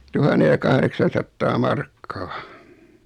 tuhannen ja kahdeksansataa markkaa